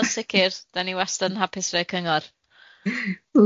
O yn sicir, 'dan ni wastad yn hapus rhoi cyngor .